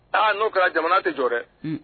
Aa n'o kɛra jamana tɛ jɔ dɛ